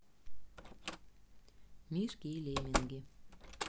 мишки и лемминги